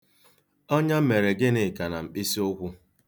Ọnya mere Gịnịka na mkpịsịukwụ.